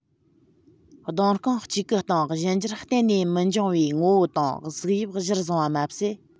སྡོང རྐང གཅིག གི སྟེང གཞན འགྱུར གཏན ནས མི འབྱུང བའི ངོ བོ དང གཟུགས དབྱིབས གཞིར བཟུང བ མ ཟད